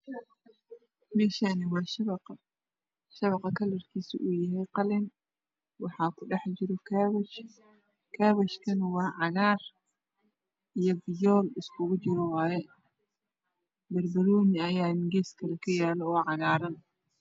Mashan waa shebaqa kalar kisi waa qalin waxaa kujiro kabasha kalar kisi waa cagar iyo fiyol barbanoni aya geska katalo kalar kisi waa cagar